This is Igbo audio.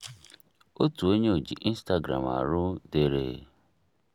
Otu onye oji Instagram arụ dere: